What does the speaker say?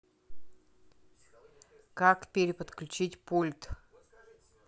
как переподключить пульт